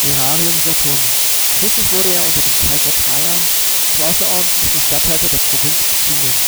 (aerarium Saturni). Schließlich wurde er unter dem Kaiser Trajan zum außerordentlichen Statthalter der Provinz Bithynien-Pontus